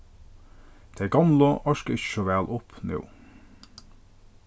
tey gomlu orka ikki so væl upp nú